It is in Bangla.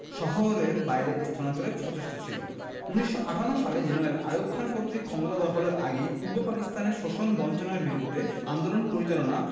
শহরের বাইরে স্থানান্তরে সচেষ্ট ছিল ১৯৫৮ সালে জেনারেল আইয়ুব খান কর্তৃক ক্ষমতা দখলের আগেই পূর্ব পাকিস্তানে শোষণ বঞ্চনার বিরুদ্ধে আন্দোলন পরিচালনা